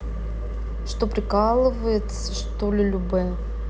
что прикалывается что ли любэ